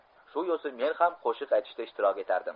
shu yo'sin men ham qo'shiq aytishda ishtirok etardim